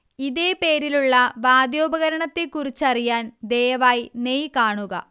ഇതേ പേരിലുള്ള വാദ്യോപകരണത്തെക്കുറിച്ചറിയാൻ ദയവായി നെയ് കാണുക